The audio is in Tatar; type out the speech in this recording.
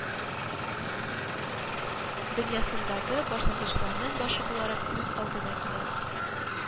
Дөньясындагы башлангычларның башы буларак күз алдына килә